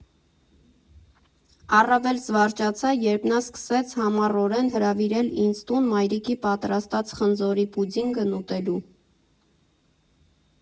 Առավել զվարճացա, երբ նա սկսեց համառորեն հրավիրել ինձ տուն, մայրիկի պատրաստած խնձորի պուդինգն ուտելու։